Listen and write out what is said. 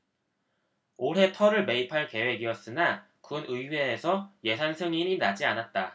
올해 터를 매입할 계획이었으나 군의회에서 예산 승인이 나지 않았다